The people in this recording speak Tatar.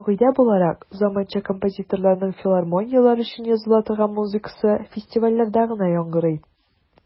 Кагыйдә буларак, заманча композиторларның филармонияләр өчен языла торган музыкасы фестивальләрдә генә яңгырый.